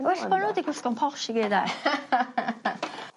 Well bo' n'w 'di gwisgo'n posh i gyd 'de?